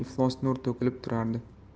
iflos nur to'kilib turardi